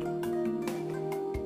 San